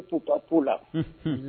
U bɛ taau ka p la